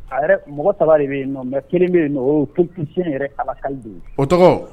A mɔgɔ ta de bɛ yen nɔ mɛ kelen bɛ yen osi yɛrɛ ala ka de o tɔgɔ